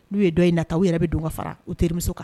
N'u ye dɔ in lata, u yɛrɛ bɛ don ka fara u terimuso kan.